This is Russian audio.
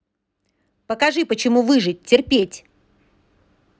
покажи почему выжить терпеть